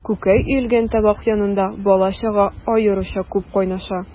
Күкәй өелгән табак янында бала-чага аеруча күп кайнаша.